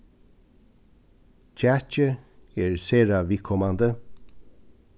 kjakið er sera viðkomandi